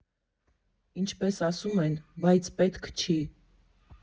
Ինչպես ասում են՝ բայց պետք չի։